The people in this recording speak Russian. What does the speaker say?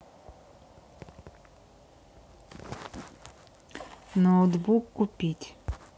ноутбук купить